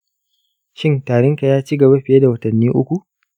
shin tarinka ya cigaba fiye da watanni uku?